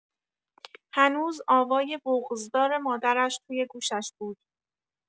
هنوز آوای بغض‌دار مادرش توی گوشش بود.